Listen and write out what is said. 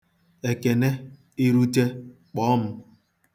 Ekene, i rute, kpọọ m.